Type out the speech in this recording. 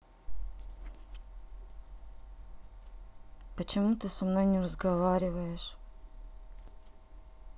почему ты со мной не разговариваешь